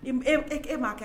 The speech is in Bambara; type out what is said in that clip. E ma'a kɛ